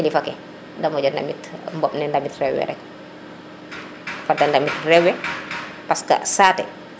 kilifa ke de moƴo ndamit ɓoɓ ne a ndamit rewe rek fada ndamit rewe parce que saate